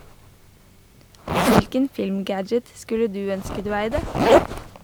Hvilken film-gadget skulle du ønske du eide?